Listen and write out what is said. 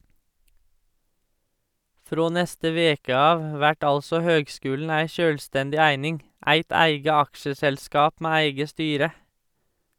Frå neste veke av vert altså høgskulen ei sjølvstendig eining, eit eige aksjeselskap med eige styre.